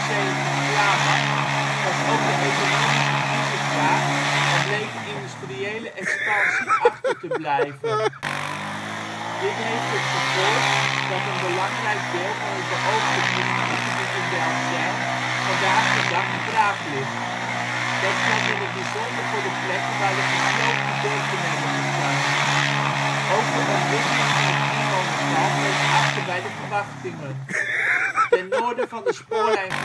1973 klaar was, was ook de economische crisis daar en bleek de industriële expansie achter te blijven. Dit heeft tot gevolg dat een belangrijk deel van het beoogde industriegebied in Delfzijl vandaag de dag braak ligt. Dat geldt in het bijzonder voor de plekken waar de gesloopte dorpen hebben gestaan. Ook de ontwikkeling van het inwonertal bleef achter bij de verwachtingen. Ten noorden van de spoorlijn